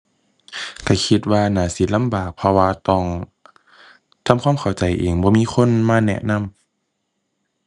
ก็คิดว่าน่าสิลำบาก เพราะว่าต้องทำความเข้าใจเอง บ่มีคนมาแนะนำ